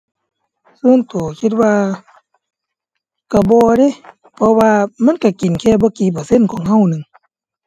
ส่วนตัวคิดว่าตัวบ่เดะ เพราะว่ามันตัวกินแค่บ่กี่เปอร์เซ็นต์ของตัวหนึ่ง